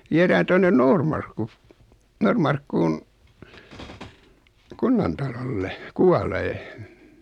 viedään tuonne Noormarkku Noormarkkuun kunnantalolle kuolemaan